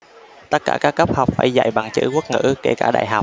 tất cả các cấp học phải dạy bằng chữ quốc ngữ kể cả đại học